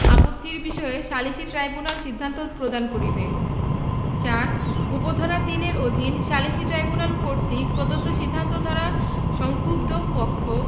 আপত্তির বিষয়ে সালিসী ট্রাইব্যুনাল সিদ্ধান্ত প্রদান করিবে ৪ উপ ধারা ৩ এর অধীন সালিসী ট্রাইব্যুনাল কর্তৃক প্রদত্ত সিদ্ধান্ত দ্বারা সংক্ষুব্ধ পক্ষ